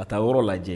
A taa yɔrɔ lajɛ